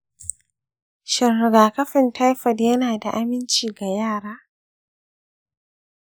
shin rigakafin taifoid yana da aminci ga yara?